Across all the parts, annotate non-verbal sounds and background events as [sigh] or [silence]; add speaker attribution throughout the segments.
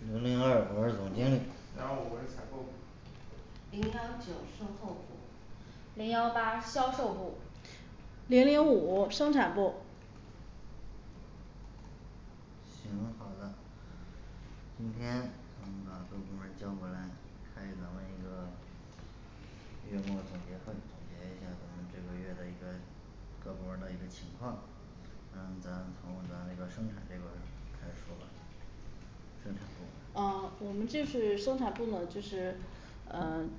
Speaker 1: 零零二我是总经理
Speaker 2: 零幺五我是采购部
Speaker 3: 零幺九售后部
Speaker 4: 零幺八销售部
Speaker 5: 零零五生产部
Speaker 1: 行好的今天我们把各部门儿叫过来开咱们一个月末总结会总结一下咱们这个月的一个各部门儿的一个情况那咱们从咱这个生产这块儿开始说吧生产部
Speaker 5: 啊我们就是生产部就是呃 [silence]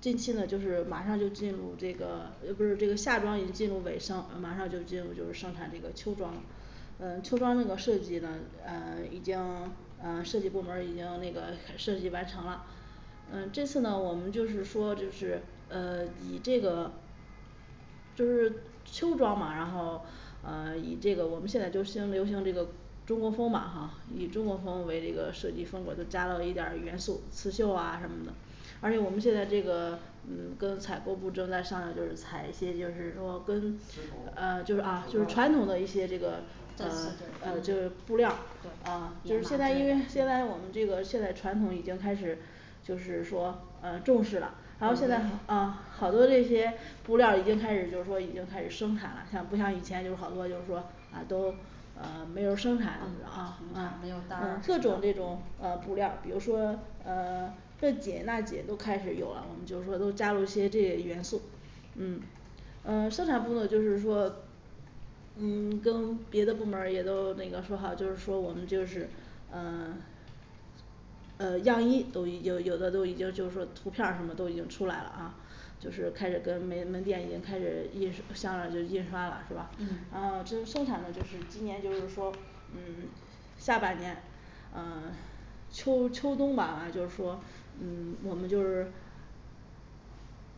Speaker 5: 近期呢就是马上就进入这个呃不是这个夏装已进入尾声呃马上就进入就是生产这个秋装呃秋装那个设计呢呃已经呃设计部门儿已经那个设计完成了呃这次呢我们就是说就是呃以这个这不是秋装嘛然后呃以这个我们现在就兴流行这个中国风吧哈以中国风为这个设计风格就加到了一点儿元素刺绣啊什么的而且我们现在这个嗯跟采购部正在商量就是采一些就是说跟
Speaker 2: 丝
Speaker 5: 啊
Speaker 2: 绸
Speaker 5: 就是啊就传统的一些这个呃
Speaker 2: 嗯
Speaker 5: 呃就是布料儿
Speaker 3: 对
Speaker 5: 啊因为现在因为现在我们这个现在传统已经开始就是说啊重视了好
Speaker 3: 好布
Speaker 5: 布料
Speaker 3: 料
Speaker 5: 儿
Speaker 3: 儿
Speaker 5: 啊好多这些布料儿已经开始就说已经开始生产了，它不像以前有好多就是说啊都啊没有生产
Speaker 3: 嗯
Speaker 5: 啊
Speaker 3: 什
Speaker 5: 嗯
Speaker 3: 么没有
Speaker 5: 什
Speaker 3: 单儿啊
Speaker 5: 么各种这种啊布料儿，比如说啊 [silence] 珀锦澜锦都开始有了，我们就是说都加入一些这里的元素嗯呃生产部呢就是说嗯跟别的部门也都那个说好像，就是说我们就是啊 [silence] 呃样衣都有有的都已经就是说是图片儿什么都已经出来了啊就是开始跟别的门店已经开始印刷了就印刷了对吧啊
Speaker 3: 嗯
Speaker 5: 就生产呢就是今年就是说嗯 [silence] 下半年啊秋秋冬版呢就是说嗯 [silence] 我们就是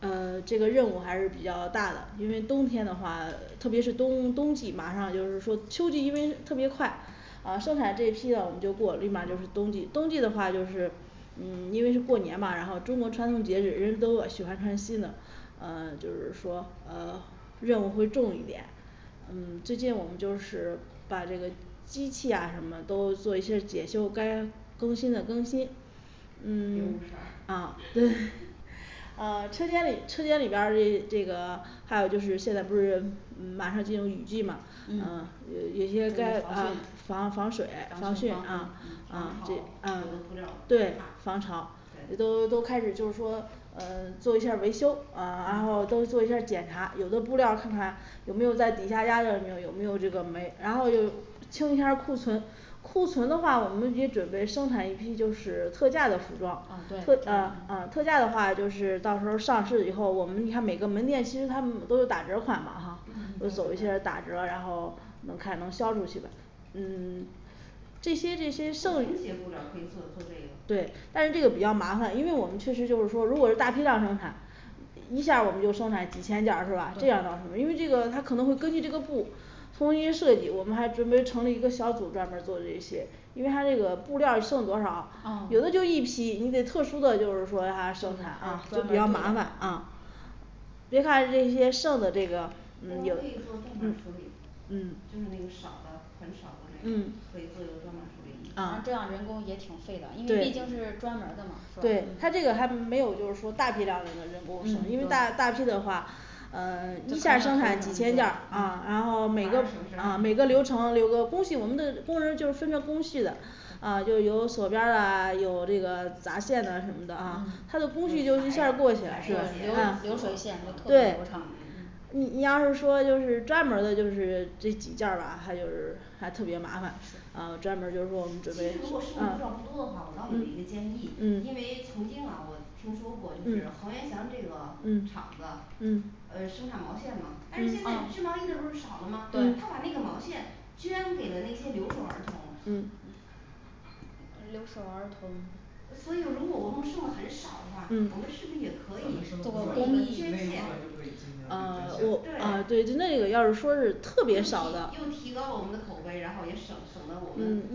Speaker 5: 啊这个任务还是比较大的，因为冬天的话，特别是冬冬季，马上就是说秋季因为特别快啊生产这一批的我们就过立马就是冬季冬季的话就是嗯因为过年嘛然后中国传统节日人人都要喜欢穿新的啊就是说啊任务会重一点嗯最近我们就是把这个机器啊什么都做一些检修该更新的更新
Speaker 3: 零
Speaker 5: 嗯
Speaker 3: 五十二
Speaker 5: 啊
Speaker 3: [noise]
Speaker 5: 跟 [crosstalk] 呃车间里车间里边儿这这个还有就是现在不是嗯马上进入雨季嘛呃
Speaker 3: 嗯
Speaker 5: 嗯直接该防防
Speaker 3: 防
Speaker 5: 防
Speaker 3: 防汛
Speaker 5: 水防
Speaker 3: 防
Speaker 5: 汛
Speaker 3: 汛
Speaker 5: 啊
Speaker 3: 啊嗯
Speaker 5: 啊
Speaker 3: 防潮
Speaker 5: 啊
Speaker 3: 有的布料儿
Speaker 5: 对防
Speaker 3: 差
Speaker 5: 潮不
Speaker 3: 对
Speaker 5: 都都开始就是说呃做一下儿维修，啊然
Speaker 3: 啊
Speaker 5: 后都做一下儿检查，有的布料儿看看有没有在底下压着，有没有这个霉，然后就清一下儿库存库存的话我们已经准备生产一批就是特价的服
Speaker 3: 啊
Speaker 5: 装，
Speaker 3: 对
Speaker 5: 特啊啊特价的话就是到时候儿上市以后，我们你看每个门店其实他们都是打折儿款嘛哈
Speaker 3: 嗯嗯，
Speaker 5: 就
Speaker 3: 对
Speaker 5: 有一些打折儿，然后能看能销出去呗嗯 [silence] 这些这些
Speaker 3: 就有
Speaker 5: 剩
Speaker 3: 些布料儿可以做做这个
Speaker 5: 对但是这个比较麻烦，因为我们确实就是说如果是大批量生产一下儿我们就生产几千件儿是吧这样儿
Speaker 3: 对
Speaker 5: 因为这个它可能会根据这个布重新设计，我们还准备成立一个小组儿专门儿做这些因为它那个布料就剩多少
Speaker 3: 啊
Speaker 5: 有的就一批你得特殊的就是说它生产啊就比
Speaker 3: 对
Speaker 5: 较
Speaker 3: 专门儿
Speaker 5: 麻烦啊也把这些剩的这个
Speaker 3: 我们可
Speaker 5: 也
Speaker 3: 以做断码儿处理
Speaker 5: 嗯
Speaker 3: 嗯就是那个少的很少的那个
Speaker 4: 嗯
Speaker 3: 可以做一个断码儿处理
Speaker 4: 啊那这样人工也挺费的因为毕竟是专门儿的吗
Speaker 5: 对对
Speaker 3: 是吧
Speaker 5: 他这个他没有就是说大剂量的人
Speaker 3: 嗯
Speaker 5: 工成，因为大因为
Speaker 3: 嗯
Speaker 5: 大致的话啊一下儿生产几千件儿，然
Speaker 3: 反正省
Speaker 5: 后每个啊每个流
Speaker 3: 事儿 [noise]
Speaker 5: 程有个工序，我们的工人就是分成工序了啊就例如锁边儿啊有这个匝线了什么的啊
Speaker 4: 嗯
Speaker 5: 它的
Speaker 3: 就裁裁
Speaker 5: 工序就是一下儿过去了是吧
Speaker 4: 嗯流流水
Speaker 3: 剪啊
Speaker 4: 线吗这个
Speaker 5: 对
Speaker 4: 流程
Speaker 3: 嗯嗯
Speaker 5: 你你要是说就是专门儿的就是这几件儿吧它就是还特别麻烦啊专门儿就说我们就
Speaker 3: 其
Speaker 5: 是
Speaker 3: 实如果是你布
Speaker 5: 啊
Speaker 3: 料儿不多的话，我倒有一个
Speaker 5: 嗯
Speaker 3: 建议，因
Speaker 5: 恩
Speaker 3: 为曾经啊我听说过就是
Speaker 5: 嗯
Speaker 3: 恒源祥这个
Speaker 5: 嗯
Speaker 3: 厂子呃生产毛线嘛
Speaker 5: 嗯
Speaker 3: 但是现在
Speaker 5: 哦
Speaker 3: 织毛衣的不是少了吗？他
Speaker 5: 对
Speaker 3: 把那个毛线捐给了那些留守儿童
Speaker 5: 嗯留守儿童
Speaker 3: 呃所以如果我们剩的很少的话，我们是
Speaker 5: 嗯
Speaker 3: 不是也
Speaker 2: 咱们剩的那一部分就可以进行
Speaker 3: 可以做一个捐
Speaker 2: 一
Speaker 3: 献对又提
Speaker 2: 次
Speaker 5: 呃
Speaker 2: 捐
Speaker 3: 又
Speaker 5: 我
Speaker 2: 献
Speaker 5: 啊对那也要是说是特别少的
Speaker 3: 提高了我们的口碑然后也省省得我们
Speaker 5: 嗯
Speaker 2: 感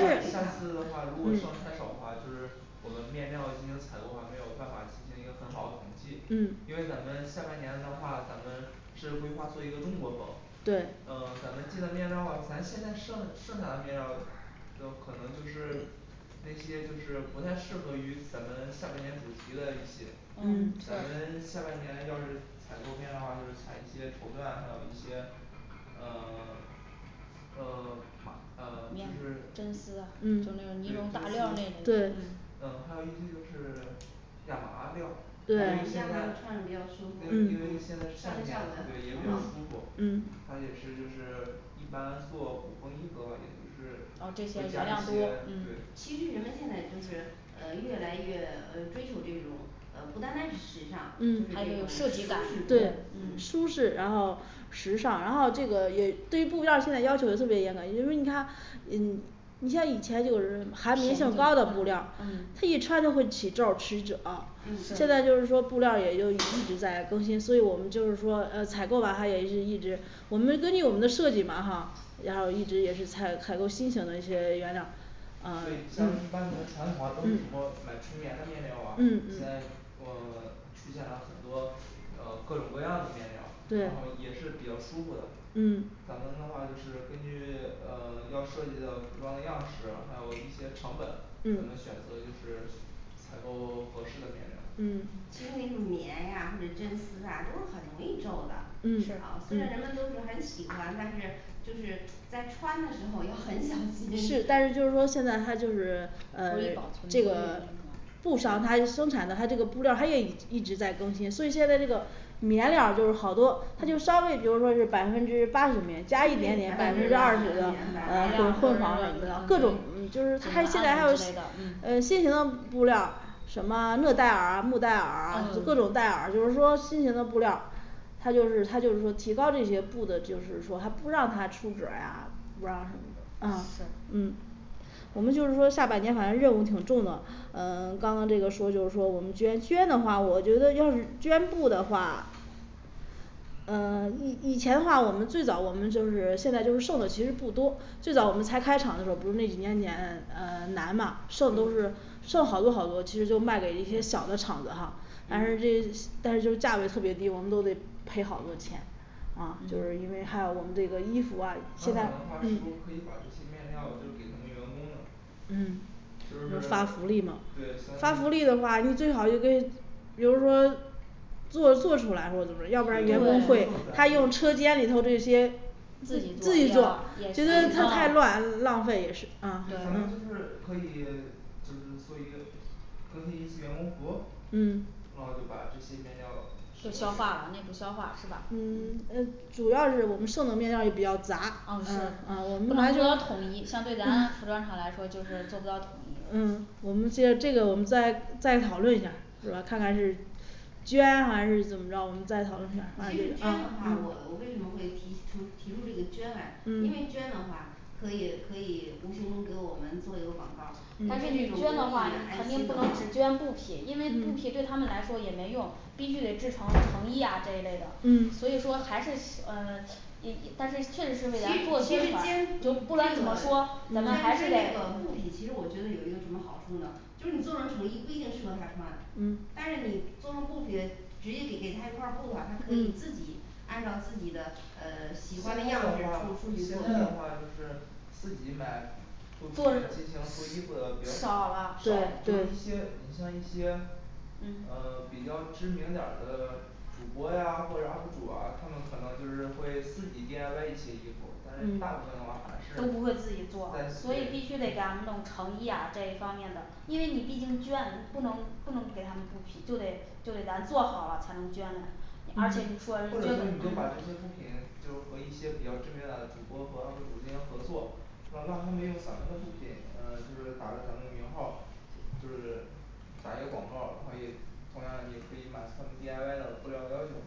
Speaker 2: 觉下下次的话如果剩太
Speaker 5: 嗯
Speaker 2: 少的话就是我们面料进行采购话没有办法进行一个很好的统计
Speaker 5: 嗯，
Speaker 2: 因为咱们下半年的话，咱们是规划做一个中国风
Speaker 5: 对
Speaker 2: 啊咱们进的面料儿话咱现在剩剩下的面料儿就可能就是那些就是不太适合于咱们下半年主题的一些
Speaker 5: 嗯
Speaker 3: 哦
Speaker 2: 咱们下半年要是采购面料儿的话就是采一些绸缎还有一些呃 [silence] 呃 [silence] 马 [unintelligible] 啊
Speaker 3: 面料
Speaker 2: 就是
Speaker 3: 真丝啊就是
Speaker 5: 嗯
Speaker 3: 呢绒大料儿那
Speaker 2: 对真
Speaker 5: 对
Speaker 3: 种
Speaker 2: 丝
Speaker 3: 嗯
Speaker 2: 呃还有一些就是亚麻料儿
Speaker 3: 对
Speaker 2: 因为现
Speaker 3: 亚麻
Speaker 2: 在
Speaker 3: 穿着比较舒
Speaker 2: 因为因为
Speaker 3: 服
Speaker 2: 现
Speaker 5: 嗯
Speaker 2: 在是夏
Speaker 3: 上身效
Speaker 2: 天
Speaker 3: 果
Speaker 2: 对
Speaker 3: 也
Speaker 2: 也比较
Speaker 3: 好啊
Speaker 2: 舒服
Speaker 5: 嗯
Speaker 2: 它也是就是一般做普通衣服的话也就
Speaker 3: 啊这
Speaker 2: 是
Speaker 3: 些
Speaker 2: 会
Speaker 3: 原料
Speaker 2: 加
Speaker 3: 儿
Speaker 2: 一
Speaker 3: 多
Speaker 2: 些对
Speaker 3: 嗯其实人们现在就是嗯越来越呃追求这种呃不单单是时尚，就是
Speaker 5: 嗯
Speaker 3: 这种舒适度
Speaker 5: 对
Speaker 3: 嗯
Speaker 5: 舒适然后时尚然后这个也对于布料儿现在要求的特别严嘛因为它嗯你像以前就是
Speaker 3: 还
Speaker 5: 含
Speaker 3: 便
Speaker 5: 棉
Speaker 3: 宜
Speaker 5: 料儿的布料儿
Speaker 3: 嗯嗯
Speaker 5: 自己穿就会起皱儿起褶儿
Speaker 3: 嗯
Speaker 5: 现在就是说布料儿也就一直在更新所以我们就是说呃采购吧反正也一一直我们根据我们的设计嘛哈然后一直也是采采购新型的一些原料儿啊
Speaker 2: 所以你像一
Speaker 5: 嗯
Speaker 2: 般那个传统啊不是什么
Speaker 5: 嗯
Speaker 2: 买纯棉的面料儿啊，
Speaker 5: 嗯
Speaker 2: 现在
Speaker 5: 嗯
Speaker 2: 呃出现了很多呃各种各样的面料儿，然后
Speaker 5: 对
Speaker 2: 也是比较舒服的
Speaker 5: 嗯
Speaker 2: 咱们的话就是根据呃要设计的服装的样式，还有一些成本，咱们
Speaker 5: 嗯
Speaker 2: 选择的就是采购合适的面料儿
Speaker 5: 嗯
Speaker 3: 其实那种棉呀或者针丝啊都是很容易皱的，是
Speaker 5: 嗯
Speaker 3: 吧虽然人们都是很喜欢，但是就是在穿的时候又很想去 [noise] 试
Speaker 5: 但是就是说现在它就是
Speaker 3: 容
Speaker 5: 嗯
Speaker 3: 易保存
Speaker 5: 这个布商他
Speaker 3: 嗯
Speaker 5: 生产他这个布料儿他也一直在更新，所以现在这个棉料儿就是好多，它就稍
Speaker 3: 嗯
Speaker 5: 微比如说是百分之八十的棉加一
Speaker 3: 百分之八十九的
Speaker 5: 倍
Speaker 3: 棉百
Speaker 5: 百
Speaker 3: 分
Speaker 5: 分之
Speaker 3: 之
Speaker 5: 棉料
Speaker 3: 呀
Speaker 5: 儿
Speaker 3: 什么安全之类的
Speaker 5: 或者是说各种也就是他现在还有呃
Speaker 3: 嗯
Speaker 5: 新型布料儿什么莫代尔啊木代尔啊，各
Speaker 3: 嗯
Speaker 5: 种代尔，就是说新型的布料他就是他就是说提高这些布的就是说他不让他出褶儿啊不让
Speaker 3: 啊是
Speaker 5: 嗯我们就是说下半年反正任务挺重的，啊刚刚这个说就是说我们捐捐的话，我觉得用捐助的话啊以以前的话我们最早我们就是现在就是剩的其实不多，最早我们才开厂的时候儿不是那几些年嗯难吗剩的都是
Speaker 3: 嗯
Speaker 5: 剩好多好多，其实就卖给一些小的厂子哈但是
Speaker 3: 嗯
Speaker 5: 这但是这个价格特别低嘛，我们都得赔好多钱啊就是因为还有我们这个衣服啊
Speaker 2: 那咱的
Speaker 5: 嗯
Speaker 2: 话是不
Speaker 3: 嗯
Speaker 2: 可以把这些面料就给他们员工了
Speaker 5: 嗯 [silence]
Speaker 2: 就
Speaker 5: 发
Speaker 2: 是
Speaker 5: 福利吗
Speaker 2: 对现，
Speaker 5: 发
Speaker 2: 在
Speaker 5: 福利的话，你最好就跟比如说做做出来或者怎
Speaker 2: 对就做一部分
Speaker 5: 么，要不然就会他用车间里头这些
Speaker 3: 自己
Speaker 5: 自
Speaker 3: 做
Speaker 5: 己
Speaker 3: 也
Speaker 5: 做自
Speaker 3: 就知
Speaker 5: 己太
Speaker 3: 道
Speaker 5: 乱
Speaker 3: 浪费也是啊
Speaker 2: 对咱们就是可以就是做一个更新一次员工服，
Speaker 5: 嗯
Speaker 2: 然后就把这些面料不
Speaker 3: 是消
Speaker 2: 用
Speaker 3: 化了内部
Speaker 2: 给
Speaker 3: 消化是吧
Speaker 5: 嗯嗯
Speaker 3: 嗯
Speaker 5: 嗯主要是我们剩的面料也比较杂啊
Speaker 3: 啊是
Speaker 5: 啊
Speaker 3: 我
Speaker 5: 啊
Speaker 3: 们反正是要统一相对咱们服装厂来说就是坐不到统一
Speaker 5: 嗯我们现在这个我们再再讨论一下儿主要看看是捐还是怎么着我们再讨论一下儿反
Speaker 3: 其
Speaker 5: 正
Speaker 3: 实捐的
Speaker 5: 啊
Speaker 3: 话
Speaker 5: 嗯
Speaker 3: 我为什么会提出提出这个捐来因为
Speaker 5: 嗯
Speaker 3: 捐的话可以可以无形中给我们做一个广告儿但
Speaker 4: 但
Speaker 3: 是
Speaker 4: 是这
Speaker 3: 这
Speaker 4: 种
Speaker 3: 种东
Speaker 4: 捐的
Speaker 3: 西
Speaker 4: 话
Speaker 3: 唉
Speaker 4: 肯定
Speaker 3: 嗯嗯
Speaker 4: 不能只捐布匹，因为布匹对
Speaker 5: 嗯
Speaker 4: 他们来说也没用，必须得制成成衣呀这一类的
Speaker 5: 嗯
Speaker 4: 所以说还是呃也以但是确实
Speaker 3: 其实其
Speaker 4: 是
Speaker 3: 实捐
Speaker 4: 为了
Speaker 3: 这
Speaker 4: 做
Speaker 3: 个捐
Speaker 4: 捐
Speaker 3: 捐
Speaker 4: 款我
Speaker 3: 这个
Speaker 4: 们
Speaker 3: 布
Speaker 4: 不
Speaker 3: 匹
Speaker 4: 能只是说咱们还
Speaker 3: 其实我觉得有一个什么好处呢就是你做了成衣不一定适合他穿
Speaker 4: 嗯，
Speaker 3: 但是你做成布匹直接给给他一块儿布反正他可
Speaker 4: 嗯
Speaker 3: 以自己按照自己的呃
Speaker 2: 现在的话现在的话
Speaker 3: 喜欢的样式出出去去做去
Speaker 2: 就是自己买布匹
Speaker 5: 做
Speaker 2: 进行做衣服的比较
Speaker 4: 少了
Speaker 2: 少就
Speaker 5: 对
Speaker 2: 一
Speaker 5: 对
Speaker 2: 些你像一些呃
Speaker 4: 嗯
Speaker 2: 比较知名点儿的主播呀或者up主啊他们可能就是会自己D I Y一些衣服但是大部
Speaker 5: 嗯
Speaker 2: 分的话还是
Speaker 4: 都
Speaker 2: 在
Speaker 4: 不会自己做所以必
Speaker 2: 对
Speaker 4: 须得给他们弄成衣啊这一方面的，因为你毕竟是捐你不能不能给他们布匹，就得就得咱做好了才能捐的而且就
Speaker 5: 嗯
Speaker 4: 说
Speaker 2: 或者说
Speaker 4: 捐
Speaker 2: 你就把这些
Speaker 4: 嗯
Speaker 2: 布匹就是和一些比较知名的主播和up主进行合作让让他们用咱们的布匹呃就是打着咱们名号就是打一个广告儿，然后也同样也可以满足他们D I Y的布料儿要求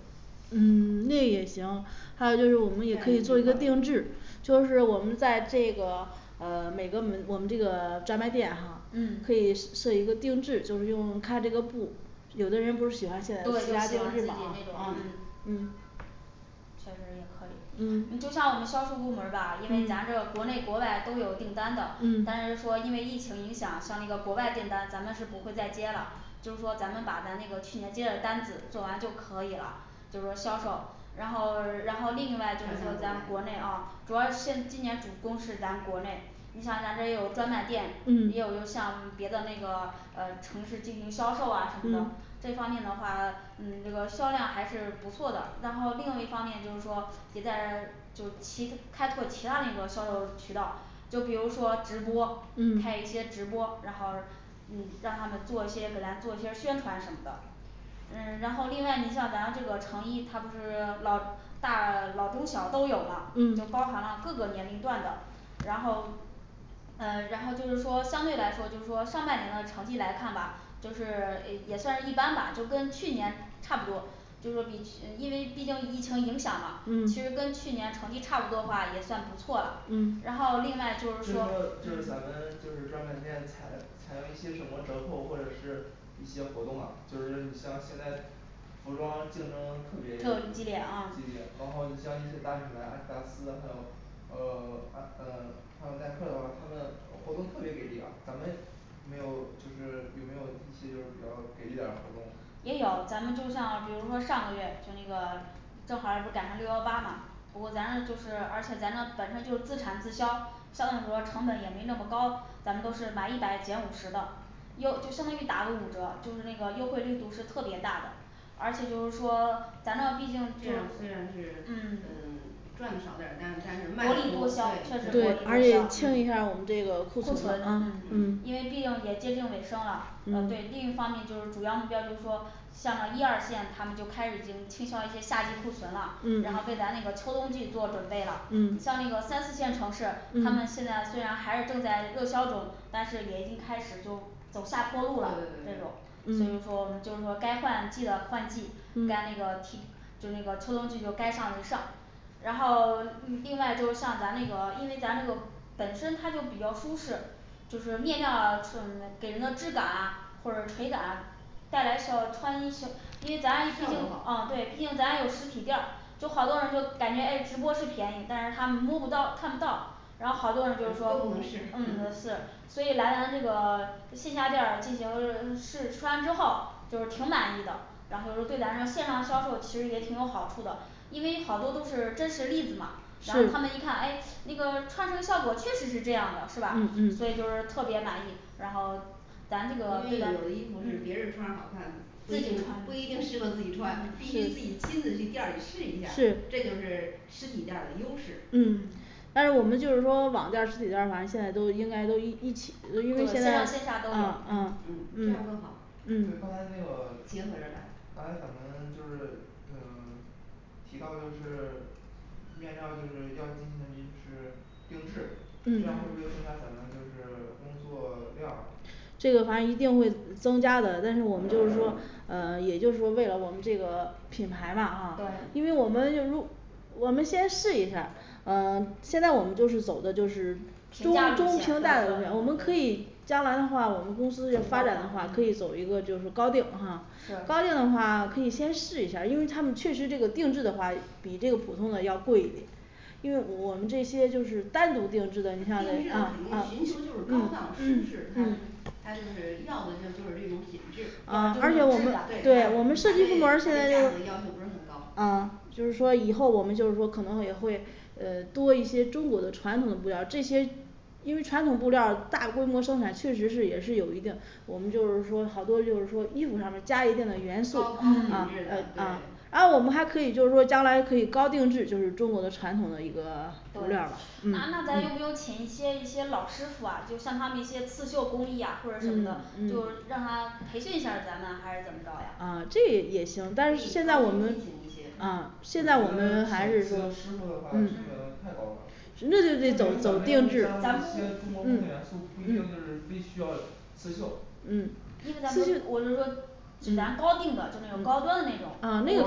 Speaker 5: 嗯 [silence] 那也行还有就是我
Speaker 3: 这
Speaker 5: 们
Speaker 3: 样
Speaker 5: 也
Speaker 3: 也可
Speaker 5: 可以
Speaker 3: 以
Speaker 5: 做一个
Speaker 3: 搞
Speaker 5: 定
Speaker 3: 定
Speaker 5: 制就是我们在这个呃每个我们这个专卖店哈可
Speaker 3: 嗯
Speaker 5: 以做一个定制，就是用开这个铺有的人不是喜欢
Speaker 4: 对就他定制那种
Speaker 5: 嗯
Speaker 4: 嗯
Speaker 5: 嗯
Speaker 4: 确实也可以你
Speaker 5: 嗯
Speaker 4: 就像我们销售部门儿吧，因为咱这国内国外都有订单的，但是
Speaker 5: 嗯
Speaker 4: 说因为疫情影响，像那个国外订单咱们是不会再接了，就是说咱们把咱这个去年接的单子做完就可以了
Speaker 5: 就是说销售然后然后另外就是说
Speaker 3: 转
Speaker 5: 咱
Speaker 3: 成
Speaker 5: 们国
Speaker 3: 国内
Speaker 5: 内啊主要是现今年主攻是咱国内
Speaker 4: 你像咱这儿也专卖店，也有
Speaker 5: 嗯
Speaker 4: 像别的那个呃城市进行销售啊什么的，
Speaker 5: 嗯
Speaker 4: 这方面的话嗯这个销量还是不错的然后另外一方面就是说也在就其开拓其他一个销售渠道就比如说直播
Speaker 5: 嗯
Speaker 4: 开一些直播然后嗯让他们做一些给咱做一些宣传什么的嗯然后
Speaker 2: 嗯
Speaker 4: 另外你像咱这个成衣，它不是老大，老中小都有吗，就包
Speaker 5: 嗯
Speaker 4: 含了各个年龄段的，然后嗯然后就是说相对来说就说上半年的成绩来看吧，就是呃也算是一般吧就跟去年差不多就是毕竟嗯因为毕竟疫情影响嘛其实
Speaker 5: 嗯
Speaker 4: 跟去年成绩差不多吧也算不错了，然后另外就是
Speaker 2: 就是说
Speaker 4: 说嗯
Speaker 2: 就咱们就是专卖店采采用一些什么折扣或者是一些活动啊就是你像现在服装竞争特别
Speaker 4: 特别
Speaker 2: 激
Speaker 4: 激烈
Speaker 2: 烈，
Speaker 4: 啊
Speaker 2: 然后你像一些大品牌阿迪达斯，还有呃 [silence] 阿达呃还有耐克的话，他们的活动特别给力啊，咱们没有就是有没有一些就是比较给力点儿的活动
Speaker 4: 也有，咱们就像比如说上个月就那个正好儿不赶上六幺八嘛不过咱们就是而且咱呢本身就是自产自销，相对说成本也没那么高，咱们都是买一百减五十的有就相当于打了五折，就是那个优惠力度是特别大的而且就是说咱呢毕竟是
Speaker 3: 这样虽然是嗯赚的少点儿但但是卖的
Speaker 4: 力度
Speaker 3: 多对
Speaker 4: 较
Speaker 3: 对嗯
Speaker 4: 确实做
Speaker 5: 而且清一
Speaker 4: 一块
Speaker 5: 下我们这个库
Speaker 4: 库
Speaker 5: 存
Speaker 4: 存嗯因为毕竟也接近尾声了呃对另一方面主要目标就是说像那一二线他们就开始已经清销一些夏季库存了，然后为
Speaker 5: 嗯
Speaker 4: 咱那个秋冬季做准备了，
Speaker 5: 嗯
Speaker 4: 像那个三四线城市他们现
Speaker 5: 嗯
Speaker 4: 在虽然还是正在热销中，但是也已经开始就走下坡
Speaker 3: 对对对
Speaker 4: 路了这种
Speaker 3: 对
Speaker 4: 所以
Speaker 5: 嗯
Speaker 4: 说我们就是说该换季的换季，该那个替 [unintelligible] 就那个秋冬季就该上就上然后嗯另外就像咱那个因为咱这个本身它就比较舒适就是面料啊是给人的质感啊或者垂感带来的时候穿一下因为咱
Speaker 3: 效果好
Speaker 4: 哦对因为咱有实体店儿，就好多人就感觉唉直播最便宜，但是他摸不到看不到然后好多人就是
Speaker 3: 各
Speaker 4: 说嗯各
Speaker 3: 种的试
Speaker 4: 种的
Speaker 3: [noise]
Speaker 4: 试所以来咱这个线下店儿进行试穿之后就是挺满意的然后就对咱这线上销售其实也挺有好处的，因为好多都是真实例子嘛然后他们
Speaker 5: 是
Speaker 4: 一看唉那个穿成效果确实是这样的是吧
Speaker 5: 嗯
Speaker 4: 所
Speaker 5: 嗯
Speaker 4: 以就是特别满意然后咱这
Speaker 5: 因为有
Speaker 4: 个是在
Speaker 5: 的衣服是别
Speaker 4: 嗯
Speaker 5: 人儿穿好看的
Speaker 3: 不
Speaker 4: 自
Speaker 3: 一定
Speaker 4: 己穿的
Speaker 3: 不一定适合自己穿，
Speaker 4: 嗯
Speaker 3: 必须自己亲自去店儿里试一下儿，
Speaker 4: 是
Speaker 3: 这就是实体店儿的优势
Speaker 4: 嗯
Speaker 5: 但是我们就是说网店儿实体店儿反正现在都应该有一一起因为
Speaker 4: 对
Speaker 5: 现
Speaker 4: 线
Speaker 5: 在
Speaker 4: 上线下都有
Speaker 5: 嗯嗯这样更好
Speaker 2: 对刚
Speaker 3: 嗯
Speaker 2: 才那个
Speaker 3: 结合着来
Speaker 2: 刚才咱们就是嗯 [silence] 提到就是面料就是要进行就是定制，这样会不会增
Speaker 5: 嗯
Speaker 2: 加咱们就是工作量
Speaker 5: 这个反正一定会增加的，但是我们就是说啊也就是说为了我们这个品牌嘛，啊因
Speaker 4: 对
Speaker 5: 为我们就如我们先试一下儿啊，现在我们就是走的就是因
Speaker 4: 平价
Speaker 5: 为东
Speaker 4: 路
Speaker 5: 西
Speaker 4: 线
Speaker 5: 都
Speaker 4: 嗯对嗯
Speaker 5: 带来了我们可以
Speaker 4: 是
Speaker 5: 将来的话，我们公司也发展的话可以走一个就是高定哈，高定
Speaker 4: 是
Speaker 5: 的话可以先试一下儿，因为他们确实这个定制的话比这个普通的要贵因为我们这些就是单独定制的你
Speaker 3: 定制
Speaker 5: 像啊
Speaker 3: 的话
Speaker 5: 啊
Speaker 3: 实际上就是高档舒
Speaker 5: 嗯嗯
Speaker 3: 适他
Speaker 5: 嗯
Speaker 3: 他就是要的就是这种品质不
Speaker 5: 他就是
Speaker 3: 会反对对对
Speaker 5: 对
Speaker 3: 价格的要
Speaker 5: 我们是不是因为这个
Speaker 3: 求不是很高
Speaker 5: 啊就是说以后我们就是说可能也会呃多一些中国的传统布料儿这些因为传统布料大规模生产确实是也是有一定我们就是说好多就是说衣服上面加一定的元
Speaker 3: 高高
Speaker 5: 素
Speaker 3: 品
Speaker 5: 嗯啊
Speaker 3: 质
Speaker 5: 对
Speaker 3: 的对
Speaker 5: 啊然后我们还可以就是说将来就可以高定制就是中国的传统的一个布料吧
Speaker 3: 对嗯
Speaker 4: 那那咱们用不
Speaker 3: 对
Speaker 4: 用请一些一些老师傅啊，就像他们一些刺绣工艺呀或者什么的
Speaker 5: 嗯，
Speaker 4: 就
Speaker 5: 嗯
Speaker 4: 让他培训一下儿咱们还是怎么着
Speaker 5: 嗯嗯
Speaker 4: 呀
Speaker 5: 啊这也行，但是现在我们啊
Speaker 2: 我觉得请一些师
Speaker 5: 现在我们还是
Speaker 2: 傅的话成
Speaker 5: 嗯
Speaker 2: 本太高了因
Speaker 5: 那
Speaker 2: 为
Speaker 5: 就
Speaker 2: 咱
Speaker 5: 咱
Speaker 2: 们要
Speaker 5: 定
Speaker 2: 是
Speaker 5: 制
Speaker 2: 加
Speaker 5: 咱
Speaker 2: 了
Speaker 5: 们
Speaker 2: 一些中国风
Speaker 5: 嗯
Speaker 2: 的元素不一定
Speaker 5: 嗯
Speaker 2: 就是非需要刺绣
Speaker 4: 嗯因为在
Speaker 5: 中国
Speaker 4: 只咱高定的就那种高端的那
Speaker 5: 啊
Speaker 4: 种
Speaker 5: 那
Speaker 4: 那
Speaker 5: 种
Speaker 4: 种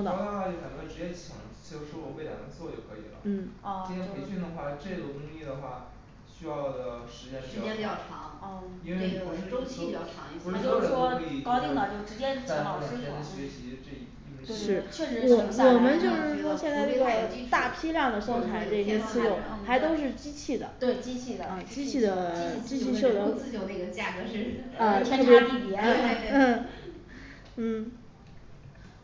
Speaker 2: 高端的话就咱们直接请刺绣师傅为咱们做就可以了
Speaker 5: 嗯哦我觉
Speaker 2: 进行培训的
Speaker 5: 得
Speaker 2: 话这个工艺的话需要的时间
Speaker 4: 时间比
Speaker 2: 比
Speaker 4: 较
Speaker 2: 较
Speaker 4: 长
Speaker 2: 长
Speaker 4: 这
Speaker 2: 因为不是
Speaker 4: 个
Speaker 2: 说
Speaker 4: 周期比较长一些不
Speaker 2: 不
Speaker 4: 是
Speaker 2: 是
Speaker 4: 说
Speaker 2: 说我
Speaker 4: 高
Speaker 2: 们可以
Speaker 4: 定就
Speaker 2: 就
Speaker 4: 直接
Speaker 2: 是在
Speaker 4: 仿
Speaker 2: 后
Speaker 4: 嗯
Speaker 2: 面直
Speaker 4: 对
Speaker 2: 接学
Speaker 4: 对
Speaker 2: 习这
Speaker 4: 对
Speaker 2: 一门儿
Speaker 4: 确
Speaker 2: 技术
Speaker 4: 实
Speaker 2: 对对对
Speaker 4: 这种除非他有基础
Speaker 5: 大批量的货物啊他都是机器的
Speaker 4: 对
Speaker 5: 机
Speaker 4: 机
Speaker 5: 器
Speaker 4: 器的
Speaker 5: 的啊对
Speaker 4: 机器刺绣跟人工刺绣这个价格是
Speaker 3: [noise] 天差地别 [noise]
Speaker 5: 嗯嗯